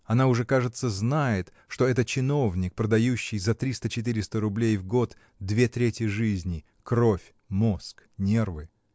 она уже, кажется, знает, что это чиновник, продающий за триста-четыреста рублей в год две трети жизни, кровь, мозг, нервы.